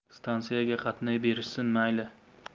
stansiyaga qatnay berishsin mayli